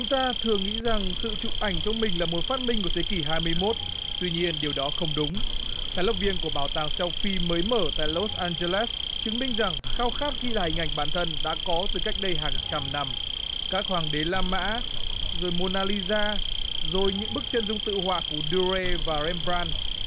chúng ta thường nghĩ rằng tự chụp ảnh cho mình là một phát minh của thế kỷ hai mươi mốt tuy nhiên điều đó không đúng sáng lập viên của bảo tàng seo phi mới mở tại lốt an giơ lét chứng minh rằng khao khát ghi lại hình ảnh bản thân đã có từ cách đây hàng trăm năm các hoàng đế la mã rồi mô na li da rồi những bức chân dung tự họa của đi rây và rem bờ ran